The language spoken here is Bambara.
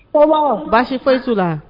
Ɔwɔ baasi foyi su la